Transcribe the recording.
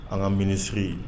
An ka minisiri yen